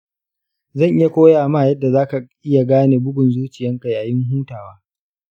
zan iya koyama yadda zaka iya gane bugun zuciyanka yayin hutawa.